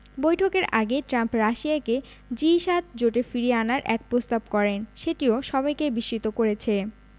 বৈঠকের আগে ট্রাম্প রাশিয়াকে জি ৭ জোটে ফিরিয়ে আনার এক প্রস্তাব করেন সেটিও সবাইকে বিস্মিত করেছে